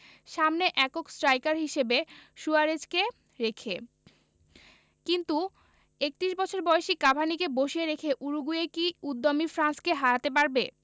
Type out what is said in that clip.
সামনে একক স্ট্রাইকার হিসেবে সুয়ারেজকে রেখে কিন্তু ৩১ বছর বয়সী কাভানিকে বসিয়ে রেখে উরুগুয়ে কি উদ্যমী ফ্রান্সকে হারাতে পারবে